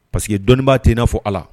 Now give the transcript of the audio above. Paseke dɔnniin b'a tɛ i n'a fɔ a